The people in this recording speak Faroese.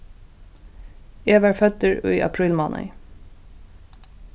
eg varð føddur í aprílmánaði